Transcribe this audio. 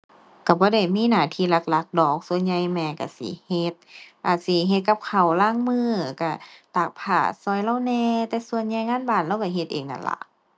ก็บ่ได้มีหน้าที่หลักหลักดอกส่วนใหญ่แม่ก็สิเฮ็ด อาจสิเฮ็ดกับข้าว ลางมื้อก็ตากผ้าก็เลาแหน่ แต่ส่วนใหญ่งานบ้านเลาก็เฮ็ดเองนั่นล่ะ